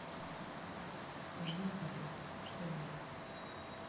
жена задрот что делать